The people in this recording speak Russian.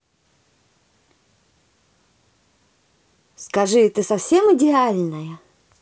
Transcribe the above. скажи ты совсем идеальная